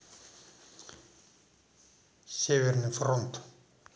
северный фронт